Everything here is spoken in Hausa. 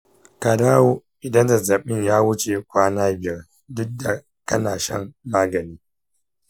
ka dawo idan zazzabin ya wuce kwana biyar, duk da kana shan magani.